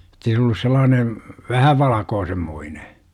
jotta ei se ollut sellainen vähän valkoisenmoinen